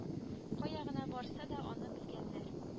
Кая гына барса да аны белгәннәр